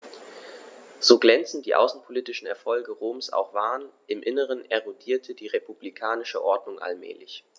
So glänzend die außenpolitischen Erfolge Roms auch waren: Im Inneren erodierte die republikanische Ordnung allmählich.